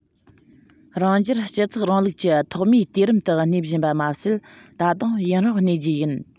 རང རྒྱལ སྤྱི ཚོགས རིང ལུགས ཀྱི ཐོག མའི དུས རིམ དུ གནས བཞིན པ མ ཟད ད དུང ཡུན རིང གནས རྒྱུ ཡིན